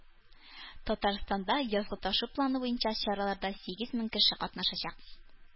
Татарстанда "Язгы ташу" планы буенча чараларда сигез мең кеше катнашачак